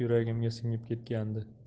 yuragimga singib ketgandi